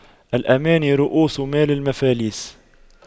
الأماني رءوس مال المفاليس